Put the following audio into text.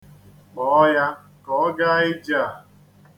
Kpọọ ya ka ọ gaa ije a.